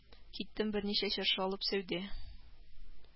Киттем берничә чыршы алып сәүдә